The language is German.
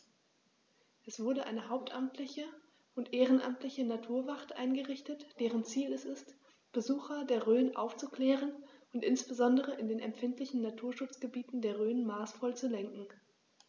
Es wurde eine hauptamtliche und ehrenamtliche Naturwacht eingerichtet, deren Ziel es ist, Besucher der Rhön aufzuklären und insbesondere in den empfindlichen Naturschutzgebieten der Rhön maßvoll zu lenken.